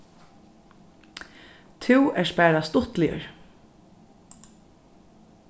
tú ert bara stuttligur